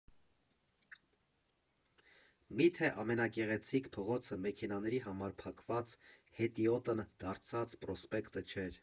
Իսկ մի՞թե ամենագեղեցիկ փողոցը մեքենաների համար փակված, հետիոտն դարձած Պրոսպեկտը չէր։